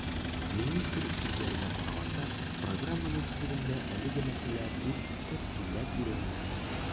Министр сүзләренә караганда, программаны төзегәндә әлеге мәсьәлә бик тәфсилләп өйрәнелгән.